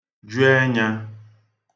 ju ẹnyā